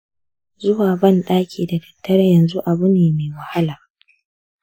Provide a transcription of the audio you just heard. zuwa bandaki da dare yanzu abu ne mai wahala.